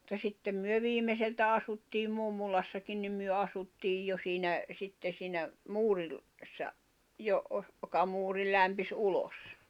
mutta sitten me viimeiseltä asuttiin mummolassakin niin me asuttiin jo siinä sitten siinä ---- joka muuri lämpisi ulos